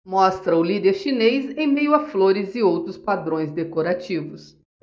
mostra o líder chinês em meio a flores e outros padrões decorativos